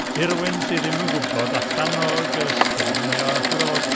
I rywun sydd ddim yn gwbod, allan o gyfystyr mae o siŵr o fod...